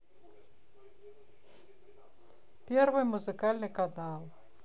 первый музыкальный канал